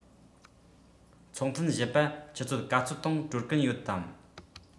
ཚོགས ཐུན བཞི པ ཆུ ཚོད ག ཚོད སྟེང གྲོལ གི ཡོད དམ